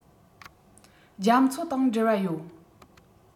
རྒྱ མཚོ དང འབྲེལ བ ཡོད